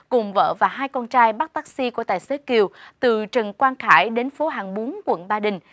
cùng vợ và hai con trai bắt tắc xi của tài xế kiều từ trần quang khải đến phố hàng bún quận ba đình